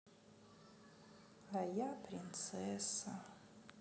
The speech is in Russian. а я принцесса